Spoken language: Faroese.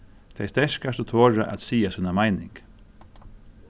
tey sterkastu tora at siga sína meining